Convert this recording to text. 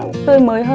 tươi mới hơn